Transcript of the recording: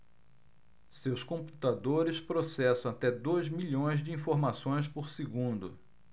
seus computadores processam até dois milhões de informações por segundo